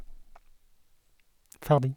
Ferdig.